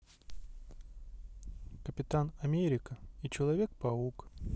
капитан америка и человек паук